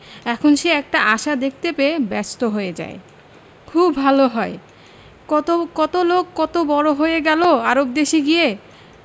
এখন সে একটা আশা দেখতে পেয়ে ব্যস্ত হয়ে যায় খুব ভালো হয় কত কত লোক কত বড় হয়ে গেল আরব দেশে গিয়ে